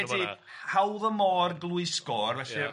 'Hawdd-amor glwys-gor' felly'r... Ia